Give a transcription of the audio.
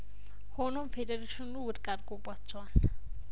ሆኖም ፌዴሬሽኑ ውድቅ አርጐባቸዋል